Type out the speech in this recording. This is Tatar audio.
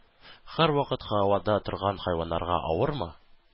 Һәрвакыт һавада торган хайваннарга авырмы?